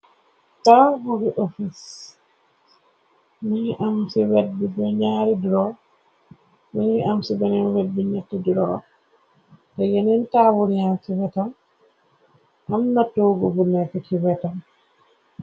Taabul lu ofis bunaari romuñuy am. Ci beneen wet bi ñett duroox te yeneen taawul yan. Ci wetam am na toogu bu nekk ci wetam.